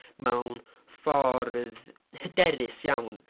mewn ffordd hyderus iawn.